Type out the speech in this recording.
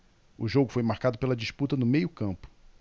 o jogo foi marcado pela disputa no meio campo